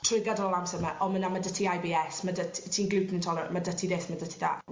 Trwy gadol yr amser 'na o ma' na ma' 'dy ti Eye Bee Ess ma' 'dy t- ti'n gluten intolerant ma' 'dy ti this ma''dy ti that